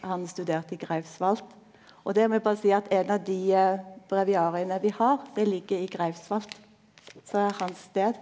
han studerte i Greifswald og det må eg berre seie at ein av dei breviariene vi har dei ligg i Greifswald som er hans stad.